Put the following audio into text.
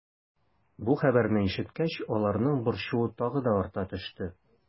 Бу хәбәрне ишеткәч, аларның борчуы тагы да арта төште.